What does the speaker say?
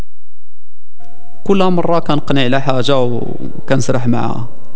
كلام راكان قناه الاحواز اه كان سلاح معه